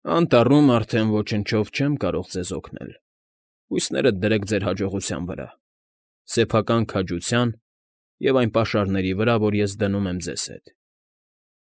Անտառում արդեն ոչնչով ձեզ օգնել չեմ կարող, հույսներդ դրեք ձեր հաջողության վրա, սեփական քաջության և այն պաշարների վրա, որ ես դնում եմ ձեզ հետ։